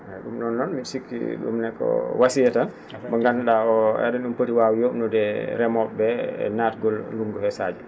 eeyi ?um ?o noon mbi?o sikki ?um ne ko wasiya tan mo nganndu?aa o e?en ?um poti waaw yoknude remoo?e ?e e naatgol ndunngu hee Sadio